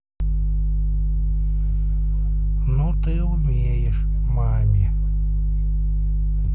ну ты умеешь маме